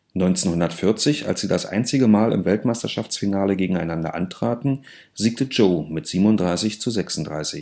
1940, als sie das einzige Mal im Weltmeisterschaftsfinale gegeneinander antraten, siegte Joe mit 37:36